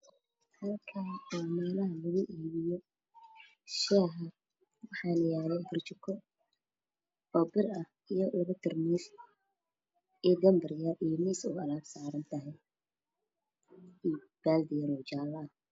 Meeshan waxaa iga maqan iyo labatar muuse iyo gambar kale oo guduudan darbiga waxaa ka xiga danjeel ku xiran yahay ee khatar waxaa kaloo taagan nin